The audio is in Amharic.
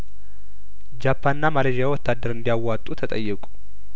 ጃፓንና ማሌዥያወታደር እንዲ ያዋጡ ተጠየቁ